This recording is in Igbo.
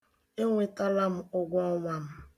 Enwetala m ụgwọ ọnwa m.